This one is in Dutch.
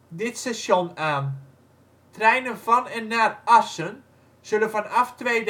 dit station aan. Treinen van en naar Assen zullen vanaf 2011